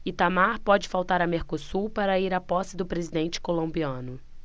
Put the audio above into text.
itamar pode faltar a mercosul para ir à posse do presidente colombiano